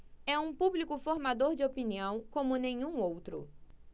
é um público formador de opinião como nenhum outro